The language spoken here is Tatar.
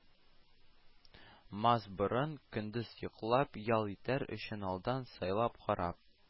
Мас борын, көндез йоклап ял итәр өчен алдан сайлап карап